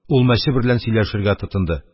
Ул мәче берлән сөйләшергә тотынды: